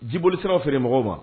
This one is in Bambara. Jiboli siraraw feere mɔgɔw ma